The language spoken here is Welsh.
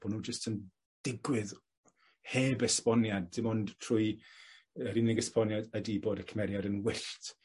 bo' nw jyst yn digwydd heb esboniad dim ond trwy yr unig esboniad ydi bod y cymeriad yn wyllt.